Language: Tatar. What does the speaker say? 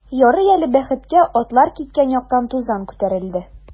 Ярый әле, бәхеткә, атлар киткән яктан тузан күтәрелде.